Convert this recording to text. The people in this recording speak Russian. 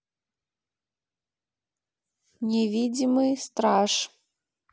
невидимый страж